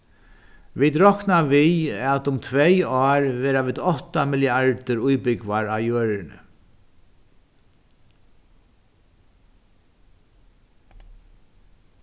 vit rokna við at um tvey ár verða vit átta milliardir íbúgvar á jørðini